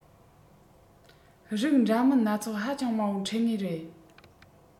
རིགས འདྲ མིན སྣ ཚོགས ཧ ཅང མང པོར འཕྲད ངེས རེད